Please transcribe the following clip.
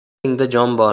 gapingda jon bor